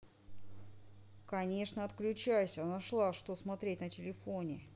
конечно отключайся нашла что смотреть на телефоне